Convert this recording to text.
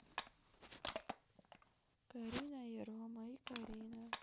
карина и рома и карина